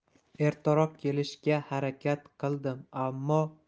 ertaroq kelishga harakat qildim ammo